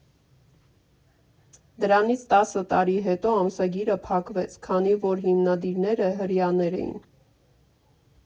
Դրանից տասը տարի հետո ամսագիրը փակվեց, քանի որ հիմնադիրները հրեաներ էին։